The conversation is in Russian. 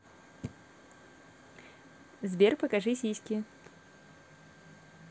сбер покажи сиськи